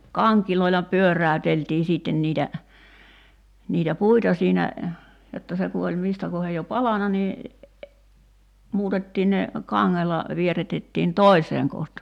kangilla pyöräyteltiin sitten niitä niitä puita siinä jotta se kun oli mistä kohden jo palanut niin muutettiin ne kangella vierrätettiin toiseen kohtaan